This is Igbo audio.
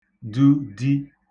du di